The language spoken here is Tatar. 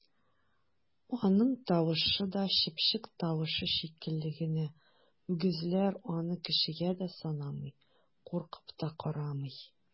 Аның тавышы да чыпчык тавышы шикелле генә, үгезләр аны кешегә дә санамый, куркып та карамый!